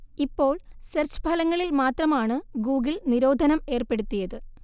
ഇപ്പോൾ സെർച്ച് ഫലങ്ങളിൽ മാത്രമാണ് ഗൂഗിൾ നിരോധനം ഏർപ്പെടുത്തിയത്